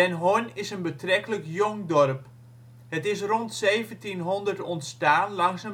Horn is een betrekkelijk jong dorp. Het is rond 1700 ontstaan langs een